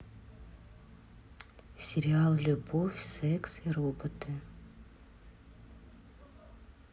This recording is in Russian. сериал любовь секс и роботы